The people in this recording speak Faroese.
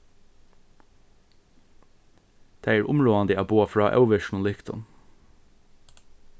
tað er umráðandi at boða frá óvirknum lyktum